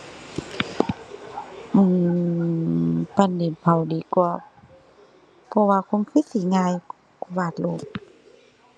อือ ปั้นดินเผาดีกว่า เพราะว่าคงคือสิง่ายกว่าวาดรูป